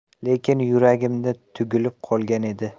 lekin yuragimda tugilib qolgan edi